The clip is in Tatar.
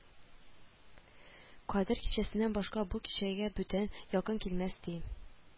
Кадер кичәсеннән башка бу кичәгә бүтәне якын килмәс, ди